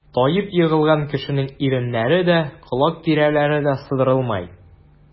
Таеп егылган кешенең иреннәре дә, колак тирәләре дә сыдырылмый.